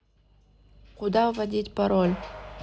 куда вводить пароль